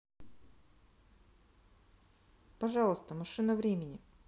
пожалуйста машина времени